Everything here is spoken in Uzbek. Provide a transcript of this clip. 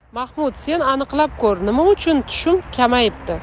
mahmud sen aniqlab ko'r nima uchun tushum kamayibdi